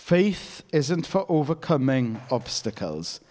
Faith isn't for overcoming obstacles.